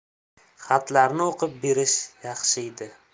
xatlarni o'qib berish yaxshi edi